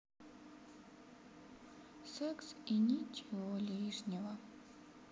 секс и ничего лишнего